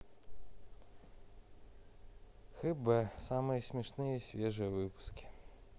хб самые смешные и свежие выпуски